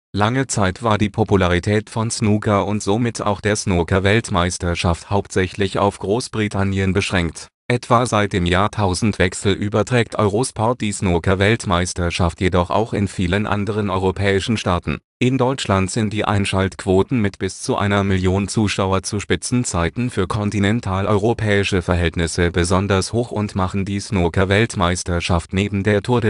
Lange Zeit war die Popularität von Snooker – und somit auch der Snookerweltmeisterschaft – hauptsächlich auf Großbritannien beschränkt. Etwa seit dem Jahrtausendwechsel überträgt Eurosport die Snookerweltmeisterschaft jedoch auch in vielen anderen europäischen Staaten. In Deutschland sind die Einschaltquoten mit bis zu einer Million Zuschauer zu Spitzenzeiten für kontinentaleuropäische Verhältnisse besonders hoch und machen die Snookerweltmeisterschaft neben der Tour